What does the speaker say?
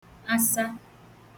asa